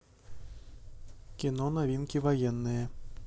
кино новинки военные